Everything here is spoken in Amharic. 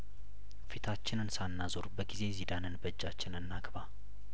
ፊታችንን ሳና ዞር በጊዜ ዚዳንን በእጃችን እና ግባ